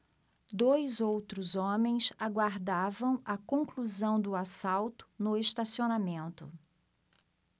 dois outros homens aguardavam a conclusão do assalto no estacionamento